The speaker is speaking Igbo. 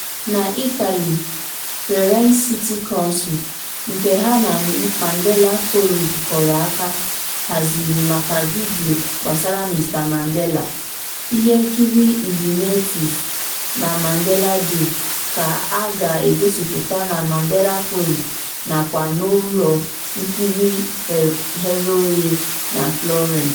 N'Italy, Firenze City Council, nke ha na Mandela Forum jikọrọ aka, haziri maka vidiyo gbasara Mr Mandela, ihenkiri Invictus na Mandela Day, ka a ga-egosịpụta na Mandela Forum nakwa n'ụlọnkiri ghere oghe na Florence.